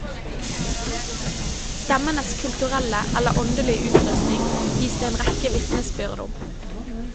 Stemmenes kulturelle eller åndelige utrustning gis det en rekke vitnesbyrd om.